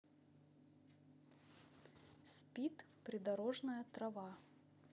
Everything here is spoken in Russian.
спит придорожная трава